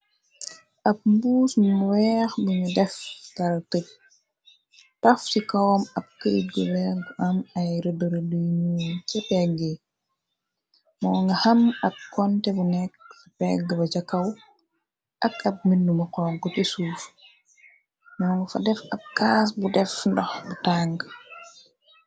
Ab mbuus mu weex munu def tal tëj taf ci kowam ab keyete gu weex am ay rëde rede yu nuul se pegg y moo nga xam ab konte bu nekk fi pegg ba ca kaw ak ab mbinu mu xonxo ci suuf moo nga fa def ab kaas bu def ndox bu tànge.